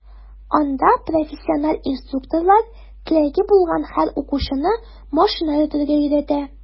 Анда профессиональ инструкторлар теләге булган һәр укучыны машина йөртергә өйрәтә.